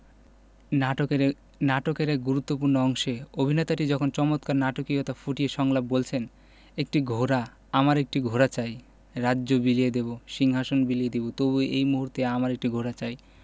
নাটকের এক গুরুত্তপূ্র্ণ অংশে অভিনেতাটি যখন চমৎকার নাটকীয়তা ফুটিয়ে সংলাপ বলছেন একটি ঘোড়া আমার একটি ঘোড়া চাই রাজ্য বিলিয়ে দেবো সিংহাশন বিলিয়ে দেবো তবু এই মুহূর্তে আমার একটি ঘোড়া চাই